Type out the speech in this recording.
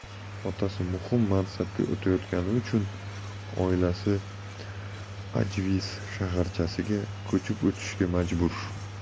otasi muhim mansabga o'tayotgani uchun oilasi aj vis shaharchasiga ko'chib o'tishga majbur